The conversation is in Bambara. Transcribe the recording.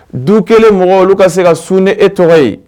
Du kelen mɔgɔ olu ka se ka sun ni e tɔgɔ ye